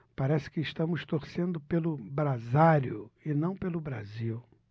parece que estamos torcendo pelo brasário e não pelo brasil